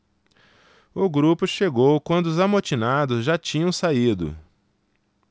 o grupo chegou quando os amotinados já tinham saído